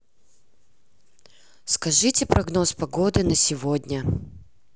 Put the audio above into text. скажите прогноз погоды на сегодня